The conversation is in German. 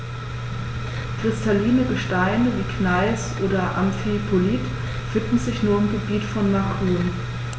Kristalline Gesteine wie Gneis oder Amphibolit finden sich nur im Gebiet von Macun.